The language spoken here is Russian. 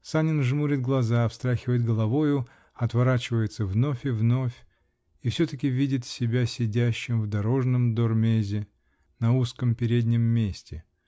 Санин жмурит глаза, встряхивает головою, отворачивается вновь и вновь -- и все-таки видит себя сидящим в дорожном дормезе на узком переднем месте.